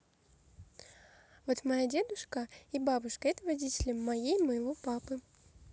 вот моя дедушка и бабушка это водители моей моего папы